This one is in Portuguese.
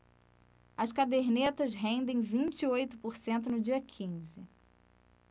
as cadernetas rendem vinte e oito por cento no dia quinze